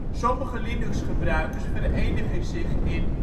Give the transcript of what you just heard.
Sommige Linuxgebruikers verenigen zich in